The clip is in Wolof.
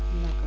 d' accord